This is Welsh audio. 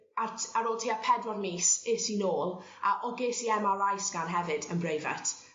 ar t- ar ôl tua pedwar mis es i nôl a o ges i Em Are Eye scan hefyd yn brifat